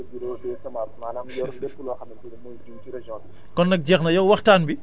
waaw ba pare di chef de bureau du semence maanaam yor lépp loo xamante ni mooy jiw ci région bi